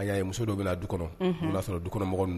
Ayi ayi muso dɔ bɛ na du kɔnɔ; Unhun; ka na sɔrɔ du kɔnɔ mɔgɔ ninnu